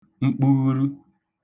mkpughuru